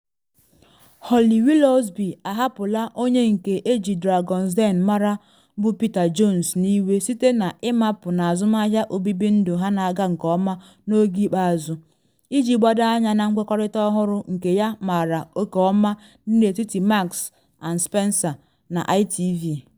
Holly Willoughby ahapụla onye nke eji Dragons” Den mara bụ Peter Jones n’iwe site na ịmapụ n’azụmahịa obibi ndụ ha na aga nke ọma n’oge ikpeazụ - iji gbado anya na nkwekọrịta ọhụrụ nke ya mara oke ọma dị n’etiti Marks & Spencer na ITV.